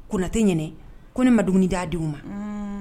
Konatɛ ɲ ko ne ma dumuni d'a d denw ma